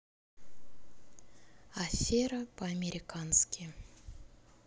афера по американски